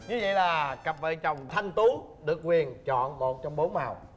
như vậy là cặp vợ chồng thanh tú được quyền chọn một trong bốn màu